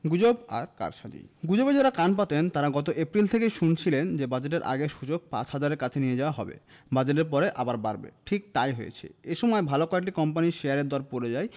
গুজব আর কারসাজি গুজবে যাঁরা কান পাতেন তাঁরা গত এপ্রিল থেকেই শুনছিলেন যে বাজেটের আগে সূচক ৫ হাজারের কাছে নিয়ে যাওয়া হবে বাজেটের পরে আবার বাড়বে ঠিক তা ই হয়েছে এ সময় ভালো কয়েকটি কোম্পানির শেয়ারের দর পড়ে যায়